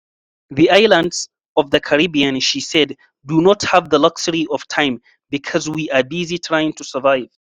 The islands of the Caribbean, she said, "do not have the luxury of time because [we] are busy trying to survive".